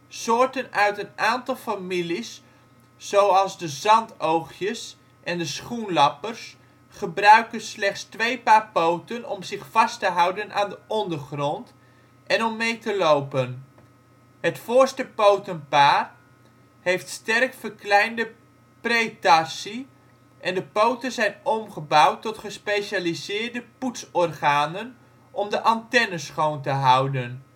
Soorten uit een aantal families, zoals de zandoogjes en de schoenlappers, gebruiken slechts twee paar poten om zich vast te houden aan de ondergrond en om mee te lopen. Het voorste potenpaar heeft sterk verkleinde pretarsi en de poten zijn omgebouwd tot gespecialiseerde ' poetsorganen ' om de antennes schoon te houden